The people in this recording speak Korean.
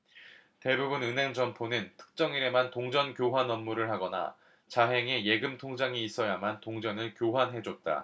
대부분 은행 점포는 특정일에만 동전 교환 업무를 하거나 자행의 예금통장이 있어야만 동전을 교환해줬다